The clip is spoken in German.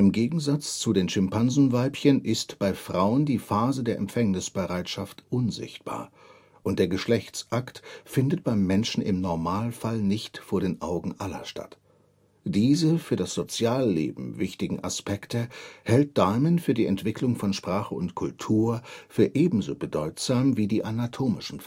Gegensatz zu den Schimpansenweibchen ist bei Frauen die Phase der Empfängnisbereitschaft unsichtbar, und der Geschlechtsakt findet beim Menschen im Normalfall nicht vor den Augen aller statt. Diese für das Sozialleben wichtigen Aspekte hält Diamond für die Entwicklung von Sprache und Kultur für ebenso bedeutsam wie die anatomischen